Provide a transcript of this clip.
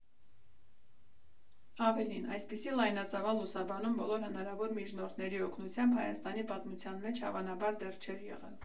Ավելին՝ այսպիսի լայնածավալ լուսաբանում բոլոր հնարավոր միջնորդների օգնությամբ Հայաստանի պատմության մեջ, հավանաբար, դեռ չէր եղել։